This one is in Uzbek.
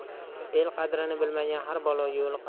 el qadrini bilmagan har baloga yo'liqar